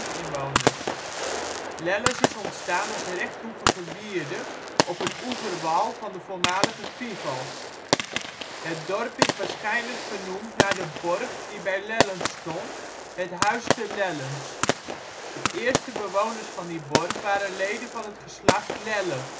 inwoners. Lellens is ontstaan als rechthoekige wierde op een oeverwal van de voormalige Fivel. Het dorp is waarschijnlijk vernoemd naar de borg die bij Lellens stond, het Huis te Lellens. De eerste bewoners van die borg waren leden van het geslacht Lelle